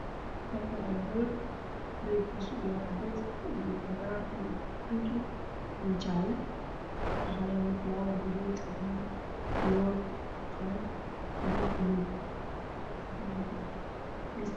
Meeshaan waa hool waxaa ka muuqdo ubax guduud, cadaan, buluud, cadays, io binki